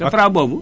te Fra boobu